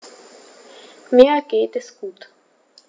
Mir geht es gut.